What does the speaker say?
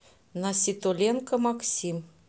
наситоленко максим